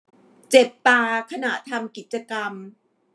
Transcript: เจ็บตาขณะทำกิจกรรม